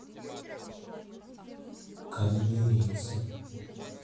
каменные лица